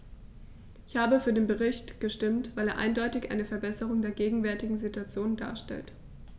Ich habe für den Bericht gestimmt, weil er eindeutig eine Verbesserung der gegenwärtigen Situation darstellt.